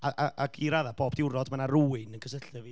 a a ac i raddau pob diwrnod, ma' 'na rywun yn cysylltu efo fi.